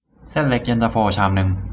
เส้นเล็กเย็นตาโฟชามนึง